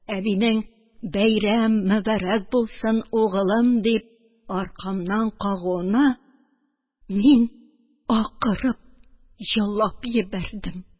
Әбинең: – Бәйрәм мөбарәк булсын, угылым! – дип, аркамнан кагуына мин акырып елап йибәрдем.